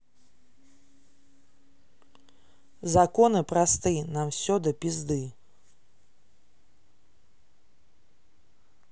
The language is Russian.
законы просты нам все до пизды